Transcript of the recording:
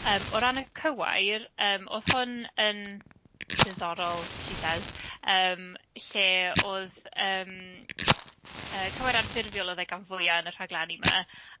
Yym o ran y cywair, yym oedd hwn yn ddiddorol she says, yym lle oedd yym yy cywair anffurfiol oedd e gan fwyaf yn y rhaglenni 'ma.